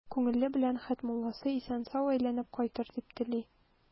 Күңеле белән Хәтмулласы исән-сау әйләнеп кайтыр дип тели.